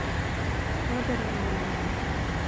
федор емельяненко